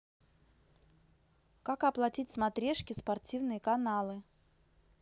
как оплатить смотрешки спортивные каналы